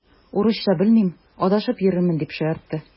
Урысча белмим, адашып йөрермен, дип шаяртты.